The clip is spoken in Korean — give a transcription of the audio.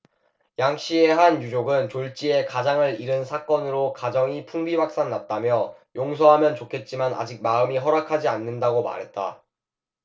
양 씨의 한 유족은 졸지에 가장을 잃은 사건으로 가정이 풍비박산 났다며 용서하면 좋겠지만 아직 마음이 허락하지 않는다고 말했다